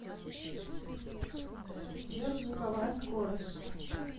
сверхзвуковая скорость